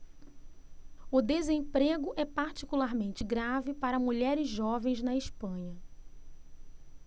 o desemprego é particularmente grave para mulheres jovens na espanha